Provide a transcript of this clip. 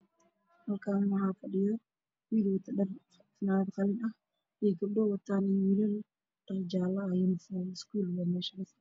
Waa iskuul waxaa fadhiya arday waxay wataan raja alla ah waxaa dhex taagan macalin wata fanaanad madow ah